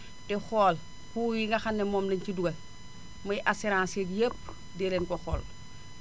di xool coût yi nga xam ne moom laénu ci dugal muy assurances yeeg yëpp dee leen ko xool